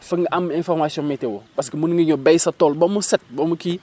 foog mu am information météo parce que mën nga ñëw béy sa tool ba mu set ba mu kii